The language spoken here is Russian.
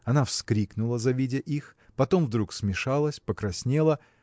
Она вскрикнула, завидя их, потом вдруг смешалась, покраснела.